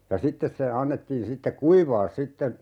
ja sitten se annettiin sitten kuivaa sitten